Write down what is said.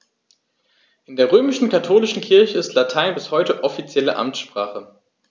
In der römisch-katholischen Kirche ist Latein bis heute offizielle Amtssprache.